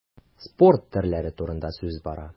Спорт төрләре турында сүз бара.